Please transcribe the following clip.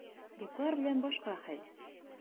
Дуслар белән башка хәл.